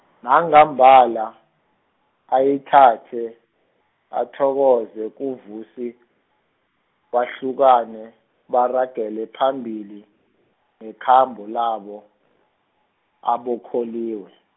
nangambala, ayithathe athokoze kuVusi, bahlukane baragele phambili, nekhambo labo, aboKholiwe.